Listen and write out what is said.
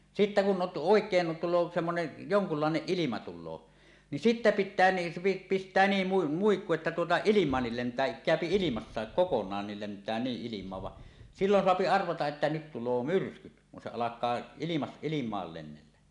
sitten kun - oikein tulee semmoinen jonkunlainen ilma tulee niin sitten pitää niin pistää niin - muikku että tuota ilmaankin lentää käy ilmassakin kokonaankin lentää niin ilmaan vaan silloin saa arvata että nyt tulee myrskyt kun se alkaa - ilmaan lennellä